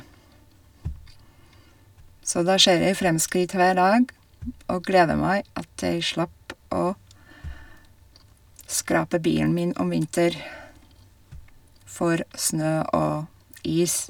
Så da ser jeg fremskritt hver dag, og gleder meg at jeg slapp å skrape bilen min om vinter for snø og is.